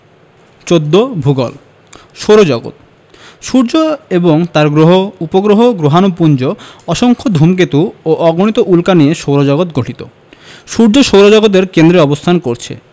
১৪ ভূগোল সৌরজগৎ সূর্য এবং তার গ্রহ উপগ্রহ গ্রহাণুপুঞ্জ অসংখ্য ধুমকেতু ও অগণিত উল্কা নিয়ে সৌরজগৎ গঠিত সূর্য সৌরজগতের কেন্দ্রে অবস্থান করছে